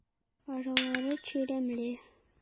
Аралары чирәмле.